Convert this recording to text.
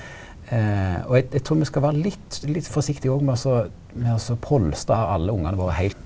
og eg trur me skal vere litt litt forsiktige òg med også med også polstra alle ungane våre heilt.